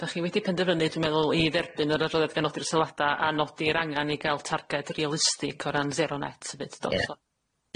'Dach chi wedi penderfynu dwi'n meddwl i dderbyn yr adroddiad gan nodi'r sylwada a nodi'r angan i ga'l targed realistig o ran sero net 'efyd do, so...